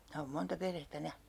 minä olen monta perhettä nähnyt